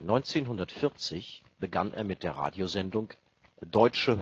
1940 begann er mit der Radiosendung „ Deutsche